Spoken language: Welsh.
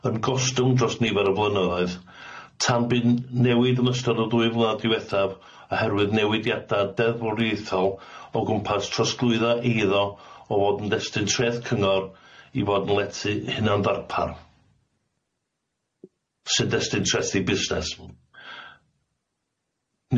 yn gostwng dros nifer o flynyddoedd tan bu'n newid yn ystod y ddwy flynadd diwethaf oherwydd newidiada deddfwriaethol o gwmpas trosglwydda eiddo o fod yn destun traeth cyngor i fod yn letu hunan ddarpar, sy'n destun traethi busnes.